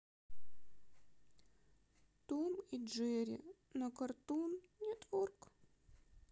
том и джерри на картун нетворк